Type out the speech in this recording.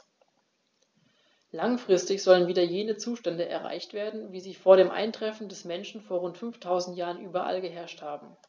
Langfristig sollen wieder jene Zustände erreicht werden, wie sie vor dem Eintreffen des Menschen vor rund 5000 Jahren überall geherrscht haben.